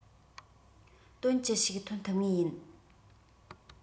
དོན ཅི ཞིག ཐོན ཐུབ ངེས ཡིན